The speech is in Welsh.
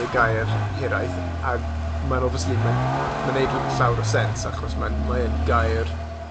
y gair hiraeth, ac ma'n obviously ma'n ma'n neud l- llawer y sense achos ma'n mae yn gair